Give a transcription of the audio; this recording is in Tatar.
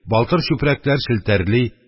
Балтыр чүпрәкләр челтәрли,